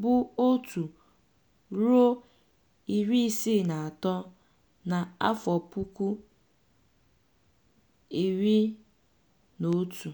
bu 1 ruo 63 na 2011.